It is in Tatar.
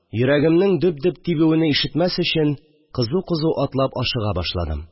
Йөрәгемнең дөп-дөп тибүене ишетмәс өчен, кызу-кызу атлап ашыга башладым